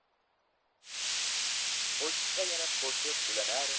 ko'shiqqa yangi qo'shiq ulanar